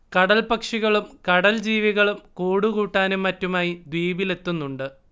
കടൽപ്പക്ഷികളും കടൽ ജീവികളും കൂടുകൂട്ടാനും മറ്റുമായി ദ്വീപിലെത്തുന്നുണ്ട്